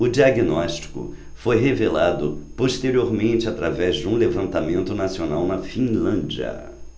o diagnóstico foi revelado posteriormente através de um levantamento nacional na finlândia